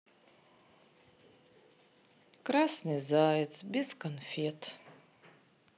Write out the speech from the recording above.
красный заяц без конфет